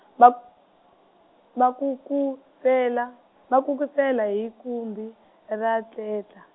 va k- va nkhunkhusela va nkhunkhusela hi khumbi ra tletla-.